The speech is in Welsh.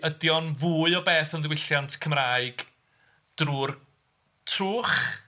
Ydi o'n fwy o beth yn ddiwylliant Cymraeg drwy'r trwch?